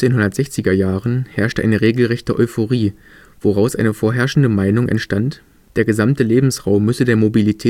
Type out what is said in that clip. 1960er Jahren herrschte eine regelrechte Euphorie, woraus eine vorherrschende Meinung entstand, der gesamte Lebensraum müsse der Mobilität